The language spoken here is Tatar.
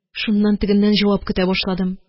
Шуннан тегеннән җавап көтә башладым.